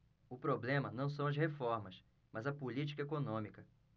o problema não são as reformas mas a política econômica